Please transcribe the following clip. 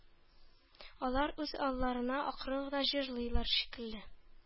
Алар үз алларына акрын гына җырлыйлар шикелле